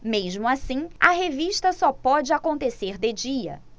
mesmo assim a revista só pode acontecer de dia